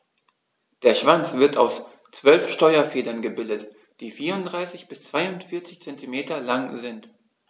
Der Schwanz wird aus 12 Steuerfedern gebildet, die 34 bis 42 cm lang sind.